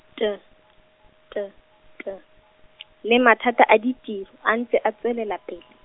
T T T , le maphata a ditiro, a ntse a tswelela pele.